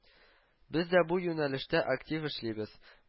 З дә бу юнәлештә актив эшлибез, б